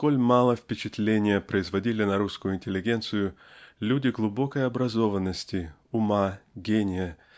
сколь мало впечатления производили на русскую интеллигенцию люди глубокой образованности ума гения